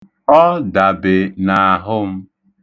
Ọ dabe n'ahụ m.